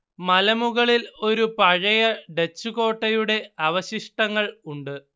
മലമുകളില്‍ ഒരു പഴയ ഡച്ച് കോട്ടയുടെ അവശിഷ്ടങ്ങള്‍ ഉണ്ട്